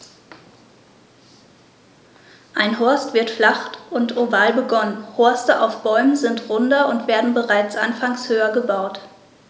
Ein Horst wird flach und oval begonnen, Horste auf Bäumen sind runder und werden bereits anfangs höher gebaut.